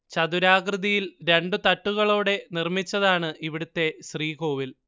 ചതുരാകൃതിയിൽ രണ്ട് തട്ടുകളോടെ നിർമ്മിച്ചതാണ് ഇവിടത്തെ ശ്രീകോവിൽ